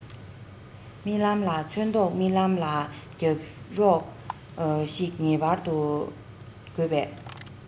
རྨི ལམ ལ ཚོན མདོག རྨི ལམ ལ རྒྱབ རོགས ཤིག ངེས པར དུ དགོས པས